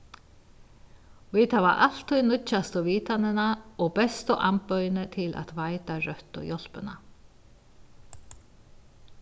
vit hava altíð nýggjastu vitanina og bestu amboð til at veita røttu hjálpina